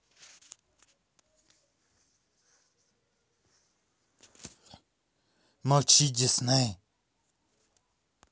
молчи дисней